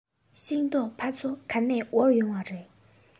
ཤིང ཏོག ཕ ཚོ ག ནས དབོར ཡོང བ རེད